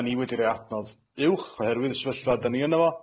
Dan ni wedi roi adnodd uwch oherwydd y sefyllfa dan ni yno fo.